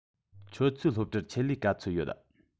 ཁྱོད ཚོའི སློབ གྲྭར ཆེད ལས ག ཚོད ཡོད